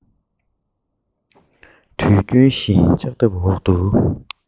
དུས རྒྱུན བཞིན ལྕགས ཐབ འོག ཏུ